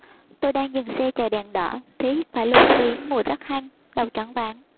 tôi đang dừng xe chờ đèn đỏ thì hít phải luồng khí mùi rất hăng đầu choáng váng